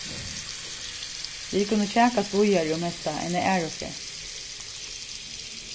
vit kunnu kjakast víðari um hetta eina aðru ferð